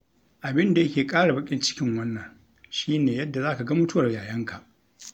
Abin da yake ƙara baƙin cikin wannan shi ne, yadda za ka ga mutuwar yayanka.